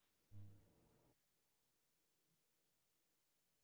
сам сбер салют